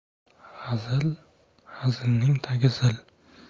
hazil hazilning tagi zil